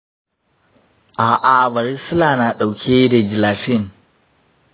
a'a, varicella na ɗauke da gelatin.